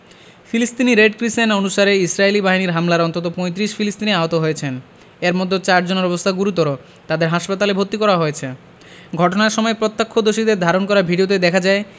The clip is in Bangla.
ফিলিস্তিনি রেড ক্রিসেন্ট অনুসারে ইসরাইলি বাহিনীর হামলায় অন্তত ৩৫ ফিলিস্তিনি আহত হয়েছেন এর মধ্যে চারজনের অবস্থা গুরুত্বর তাদের হাসপাতালে ভর্তি করা হয়েছে ঘটনার সময় প্রত্যক্ষদর্শীদের ধারণ করা ভিডিওতে দেখা যায়